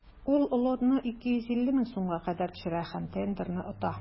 Ул лотны 250 мең сумга кадәр төшерә һәм тендерны ота.